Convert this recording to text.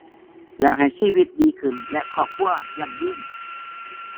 อยากให้ชีวิตดีขึ้น และครอบครัวยั่งยืน